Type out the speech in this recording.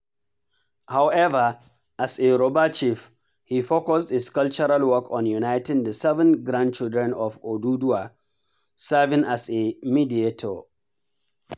However, as a Yorùbá chief, he focused his cultural work on uniting the seven grandchildren of Odùduwa, serving as a mediator.